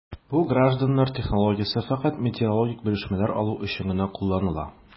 Бу гражданнар технологиясе фәкать метеорологик белешмәләр алу өчен генә кулланыла...